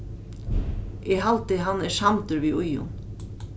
eg haldi hann er samdur við íðunn